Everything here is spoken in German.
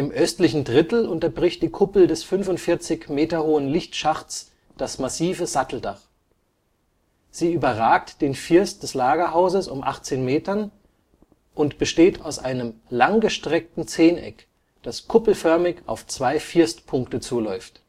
östlichen Drittel unterbricht die Kuppel des 45 m hohen Lichtschachts das massive Satteldach. Sie überragt den First des Lagerhauses um 18 m und besteht aus einem „ langgestreckten Zehneck, das kuppelförmig auf zwei Firstpunkte zuläuft